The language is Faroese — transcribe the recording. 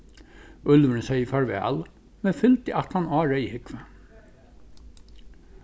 úlvurin segði farvæl men fylgdi aftan á reyðhúgvu